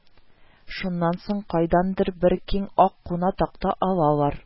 Шуннан соң кайдандыр бер киң ак куна такта алалар